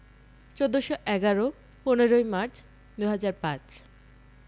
১৪১১ ১৫ই মার্চ ২০০৫